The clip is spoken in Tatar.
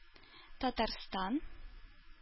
Татарстан